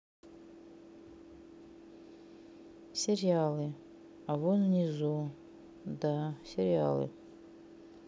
сериалы а вон внизу да сериалы